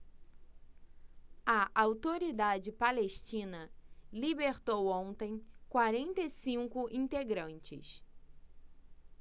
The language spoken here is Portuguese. a autoridade palestina libertou ontem quarenta e cinco integrantes